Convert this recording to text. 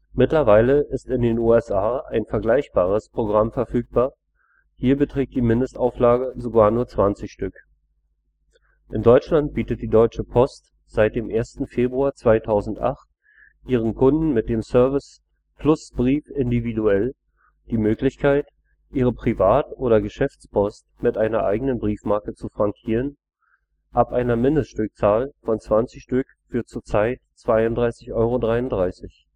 Mittlerweile ist in den USA ein vergleichbares Programm verfügbar, hier beträgt die Mindestauflage sogar nur 20 Stück. In Deutschland bietet die Deutsche Post seit dem 1. Februar 2008 ihren Kunden mit dem Service " Plusbrief individuell " die Möglichkeit, ihre Privat - oder Geschäftspost mit einer eigenen Briefmarke zu frankieren, ab einer Mindeststückzahl von 20 Stück für z. Zt. 32,33 Euro